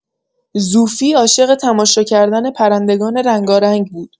زوفی عاشق تماشا کردن پرندگان رنگارنگ بود.